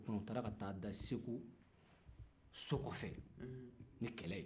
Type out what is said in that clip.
u taar'u da segu so kɔfɛ ni kɛlɛ ye